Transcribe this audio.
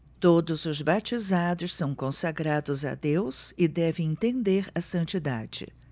todos os batizados são consagrados a deus e devem tender à santidade